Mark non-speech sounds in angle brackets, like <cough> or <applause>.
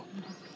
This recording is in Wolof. <hesitation> <hesitation>